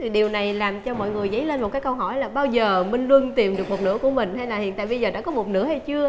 điều này làm cho mọi người dấy lên một cái câu hỏi là bao giờ minh luân tìm được một nửa của mình hay là hiện tại bây giờ đã có một nửa hay chưa